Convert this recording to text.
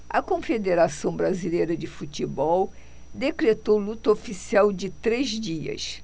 a confederação brasileira de futebol decretou luto oficial de três dias